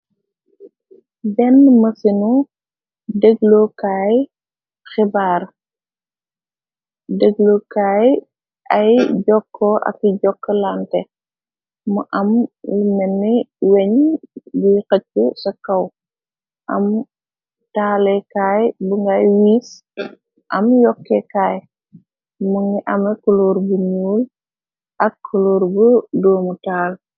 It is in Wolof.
Benn mësenu dëglokay xebaar dëglokaay ay jokko ak jokk lante mu am lu menne weñ guy xëcc ca kaw am taalekaay bu ngay wiis am yokkekaay më ngi ame koloor bu ñuul ak koloor bu doomu taal.